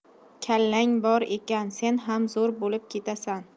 kallang bor ekan sen ham zo'r bo'lib ketasan